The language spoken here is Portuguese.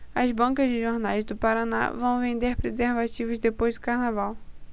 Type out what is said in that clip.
as bancas de jornais do paraná vão vender preservativos depois do carnaval